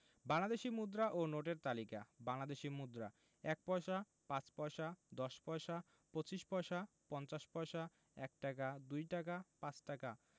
বাংলাদেশি মুদ্রা ও নোটের তালিকাঃ বাংলাদেশি মুদ্রাঃ ১ পয়সা ৫ পয়সা ১০ পয়সা ২৫ পয়সা ৫০ পয়সা ১ টাকা ২ টাকা ৫ টাকা